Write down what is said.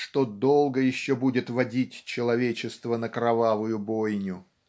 что долго еще будет водить человечество на кровавую бойню".